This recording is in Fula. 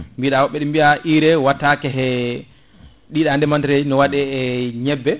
biɗa biya urée watta ke e ɗiva ndeemantereri ni waɗa e ñebbe